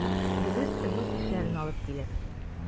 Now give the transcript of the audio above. Гелүс дус-ишләрен алып килер.